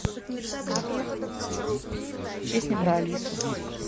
песня про алису